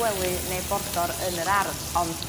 gwely ne' bordor yn yr ardd ond